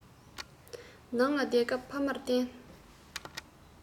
ནང ལ སྡོད སྐབས ཕ མར བརྟེན